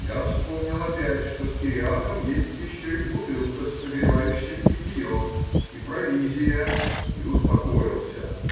Я вспомнил опять, что с Кириаком есть еще и бутылка с согревающим питьем и провизия, и — успокоился.